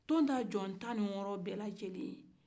tontan jɔ tan ni wɔɔrɔ bɛɛ lajɛlen